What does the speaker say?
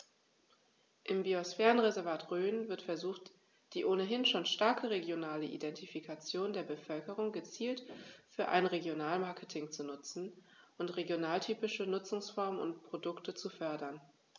Im Biosphärenreservat Rhön wird versucht, die ohnehin schon starke regionale Identifikation der Bevölkerung gezielt für ein Regionalmarketing zu nutzen und regionaltypische Nutzungsformen und Produkte zu fördern.